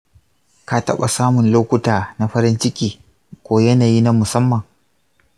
ka taɓa samun lokuta na farin ciki ko yanayi na musamman?